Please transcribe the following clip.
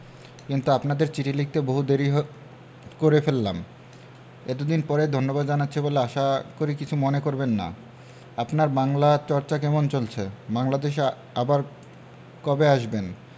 কিন্তু আপনাদের চিঠি লিখতে বহু দেরী করে ফেললাম এতদিন পরে ধন্যবাদ জানাচ্ছি বলে আশা করি কিছু মনে করবেন না আপনার বাংলা চর্চা কেমন চলছে বাংলাদেশে আবার কবে আসবেন